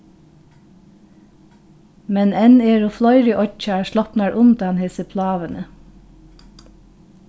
men enn eru fleiri oyggjar slopnar undan hesi pláguni